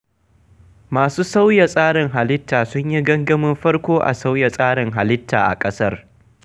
Masu sauya tsarin halitta sun yi gangamin farko a sauya tsarin halitta a ƙasar.